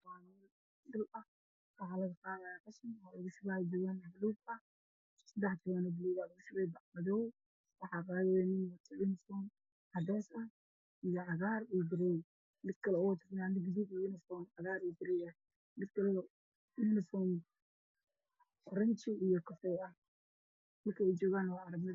Waxa ay u muuqda niman qashin qaadaya an waxayna wataan jaakado cagaar